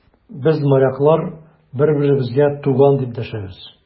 Без, моряклар, бер-беребезгә туган, дип дәшәбез.